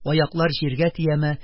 Аяклар җиргә тияме,